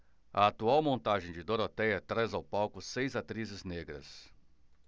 a atual montagem de dorotéia traz ao palco seis atrizes negras